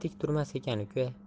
tik turmas ekan uka